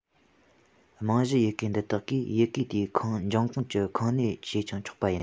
མིང གཞིའི ཡི གེ འདི དག གིས ཡི གེ དེའི འབྱུང ཁུངས ཀྱི ཁུངས སྣེ བྱས ཀྱང ཆོག པ ཡིན